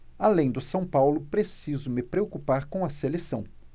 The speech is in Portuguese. além do são paulo preciso me preocupar com a seleção